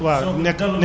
nekk sax bi